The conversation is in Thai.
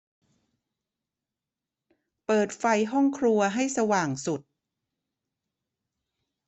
เปิดไฟห้องครัวให้สว่างสุด